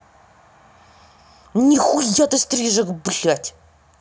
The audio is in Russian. нихуя ты стрижек блядь